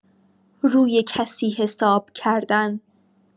روی کسی حساب کردن